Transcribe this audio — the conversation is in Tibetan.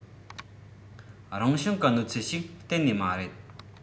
རང བྱུང གི གནོད འཚེ ཞིག གཏན ནས མ རེད